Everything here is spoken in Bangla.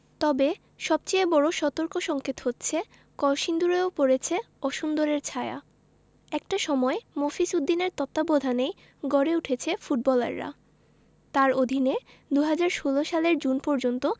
তবে সবচেয়ে বড় সতর্কসংকেত হচ্ছে কলসিন্দুরেও পড়েছে অসুন্দরের ছায়া একটা সময় মফিজ উদ্দিনের তত্ত্বাবধানেই গড়ে উঠেছে ফুটবলাররা তাঁর অধীনে ২০১৬ সালের জুন পর্যন্ত